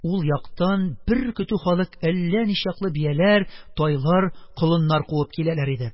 Ул яктан бер көтү халык әллә ничаклы бияләр, тайлар, колыннар куып киләләр иде.